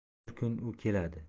bir kuni u keladi